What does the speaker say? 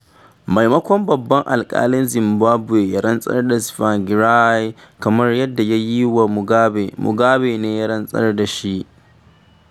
Maimakon babban alkalin Zimbabwe ya rantsar da Tsvangirai kamar yadda ya yi wa Mugabe, Mugabe ne ya rantsar da shi.